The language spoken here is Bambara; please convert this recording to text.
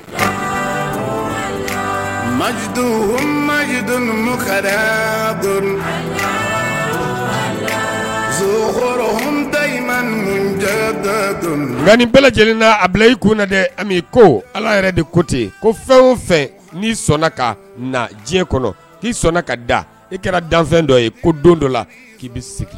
Matojidon ninnu kata ma nka ni bɛɛ lajɛlen a bila i ko na dɛ ko ala yɛrɛ de ko ten ko fɛn o fɛ n'i sɔnna ka na diɲɛ kɔnɔ k'i sɔnna ka da i kɛra danfɛn dɔ ye ko don dɔ la k'i bɛ segin